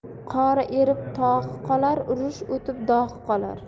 qori erib tog'i qolar urush o'tib dog'i qolar